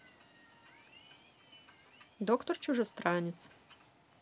доктор чужестранец